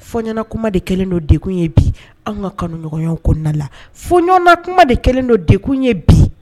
Fɔnɲɛnakuma de kɛlen don degun ye bi anw ka kanuɲɔgɔnyaw kɔnɔna na, foɲɔɔnnakuma de kɛlen don degun ye bi